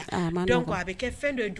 Aa a man nɔgɔn donc a be kɛ fɛn do ye du